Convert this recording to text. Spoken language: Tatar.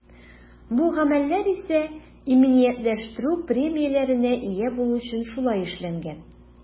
Бу гамәлләр исә иминиятләштерү премияләренә ия булу өчен шулай эшләнгән.